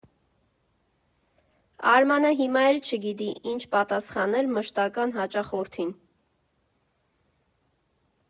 Արմանը հիմա էլ չգիտի ինչ պատասխանել մշտական հաճախորդին։